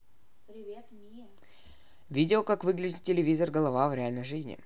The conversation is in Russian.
видео как выглядит телевизор голова в реальной жизни